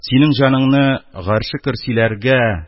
Синең җаныңны гарше көрсиләргә